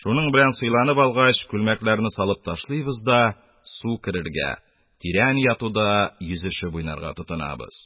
Шуның белән сыйланып алгач, күлмәкләрне салып ташлыйбыз да су керергә, тирән ятуда йөзешеп уйнарга тотынабыз...